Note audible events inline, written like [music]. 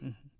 [hesitation]